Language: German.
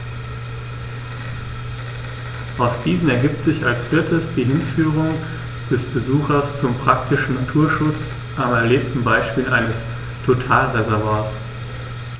Aus diesen ergibt sich als viertes die Hinführung des Besuchers zum praktischen Naturschutz am erlebten Beispiel eines Totalreservats.